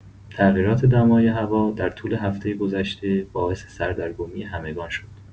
تغیرات دمای هوا در طول هفته گذشته باعث سردرگمی همگان شد.